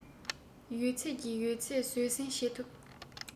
ཡོད ཚད ཀྱི ཡོད ཚད བཟོད བསྲན བྱེད ཐུབ